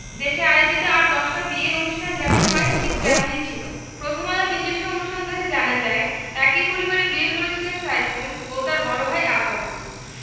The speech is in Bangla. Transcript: দেশে আয়োজিত আর দশটা বিয়ে অনুষ্ঠান যেমন হয় ঠিক তেমনি ছিল প্রথম আলোর নিজস্ব অনুসন্ধানে জানা যায় একই পরিবারে বিয়ে করেছিলেন সাইফুল ও তাঁর বড় ভাই আতাউল